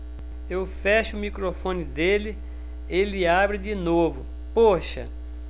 eu fecho o microfone dele ele abre de novo poxa